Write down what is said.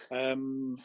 Yym